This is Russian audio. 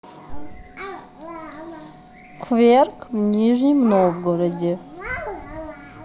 кверк в нижнем новгороде